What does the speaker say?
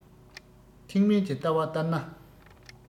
ཐེག དམན གྱི ལྟ བ ལྟར ན